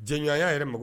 Jɔnɲɔgɔnya yɛrɛ mako